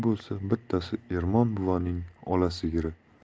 bo'lsa bittasi ermon buvaning ola sigiri